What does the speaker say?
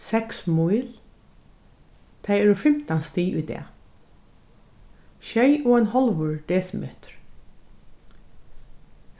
seks míl tað eru fimtan stig í dag sjey og ein hálvur desimetur